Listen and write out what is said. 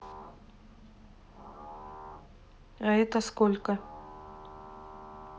а это сколько